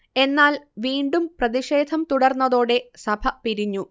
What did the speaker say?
എന്നാൽ വീണ്ടും പ്രതിഷേധം തുടർന്നതോടെ സഭ പിരിഞ്ഞു